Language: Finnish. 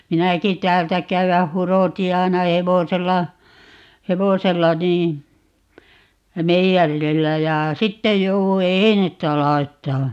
minäkin täältä käydä hurotin aina hevosella hevosella niin meijerillä ja sitten jouduin einettä laittamaan